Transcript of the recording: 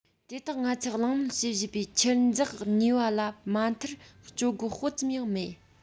དེ དག ང ཚོས གླེང མོལ བྱེད བཞིན པའི འཁྱུད འཛེག ནུས པ ལ མ མཐར སྤྱོད སྒོ སྤུ ཙམ ཡང མེད